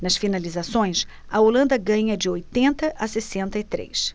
nas finalizações a holanda ganha de oitenta a sessenta e três